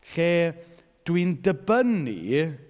Lle dwi'n dibynnu...